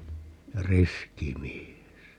ja riski mies